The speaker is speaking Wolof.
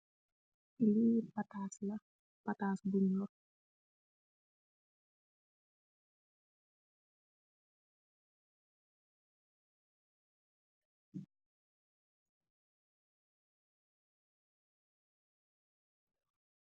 ayyi paatat yunj tekk ce palat.